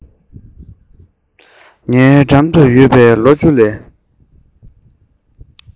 ངའི འགྲམ དུ ཡོད པའི ལོ བཅུ ལས